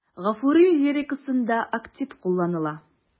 Гафури лирикасында актив кулланыла.